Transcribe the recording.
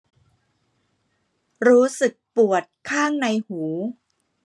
รู้สึกปวดข้างในหู